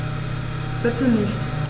Bitte nicht.